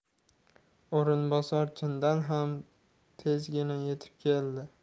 o'rinbosar chindan ham tezgina yetib keldi